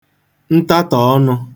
ntatọ̀ ọnụ̄